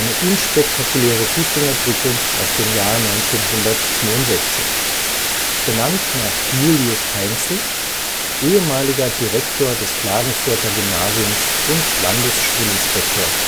unspektakuläre Fußgängerbrücke aus dem Jahr 1962. Benannt nach Julius Heinzel, ehemaliger Direktor des Klagenfurter Gymnasiums und Landesschulinspektor